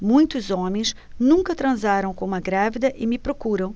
muitos homens nunca transaram com uma grávida e me procuram